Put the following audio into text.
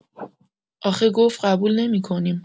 آخه گفت قبول نمی‌کنیم